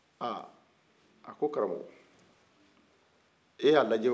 aa a ko karamɔgɔ e y'a lajɛ wa